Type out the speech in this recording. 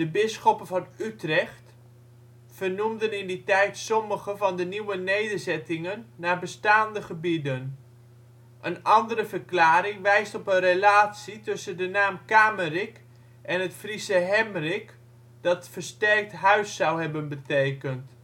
bisschoppen van Utrecht vernoemden in die tijd sommige van de nieuwe nederzettingen naar bestaande gebieden. Een andere verklaring wijst op een relatie tussen de naam Kamerik en het Friese Hemrik, dat versterkt huis zou hebben betekend